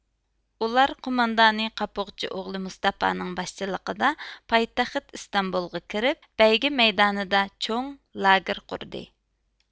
ئۇلار قوماندانى قاپۇغچى ئوغلى مۇستاپانىڭ باشچىلىقىدا پايتەخت ئىستانبۇلغا كىرىپ بەيگە مەيدانىدا چوڭ لاگېر قۇردى